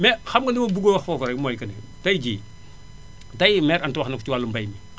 mais xam nga li ma bëgg a wax foofu rekk mooy que ni tey jii tay mère Anta wax na ko ci wàllu mbay mi